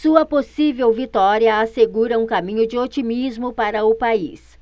sua possível vitória assegura um caminho de otimismo para o país